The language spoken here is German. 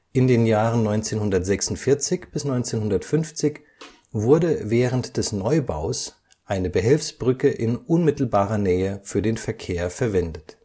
In den Jahren 1946 bis 1950 wurde während des Neubaus der Paternioner Brücke eine Behelfsbrücke in unmittelbarer Nähe für den Verkehr verwendet